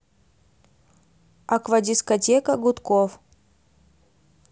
аквадискотека гудков